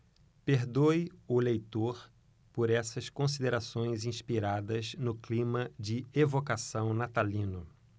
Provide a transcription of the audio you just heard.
perdoe o leitor por essas considerações inspiradas no clima de evocação natalino